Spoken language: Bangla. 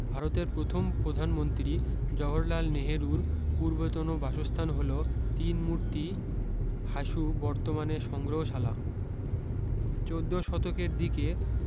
ভারতের প্রথম প্রধানমন্ত্রী জহরলাল নেহেরুর পূর্বতন বাসস্থান হল তিন মূর্তি হাুস বর্তমানে সংগ্রহশালা চোদ্দ শতকের দিকে